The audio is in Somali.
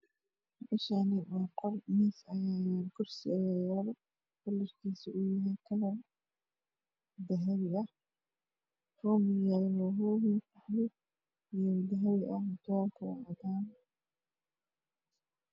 Meshaani waa qol miis ayaa yaalo kursi ayaa yaalo kalr kiiso uu yahay kalar da habi ah ruumigu yahay rumi madow iyo dahbi ah iyo cadaan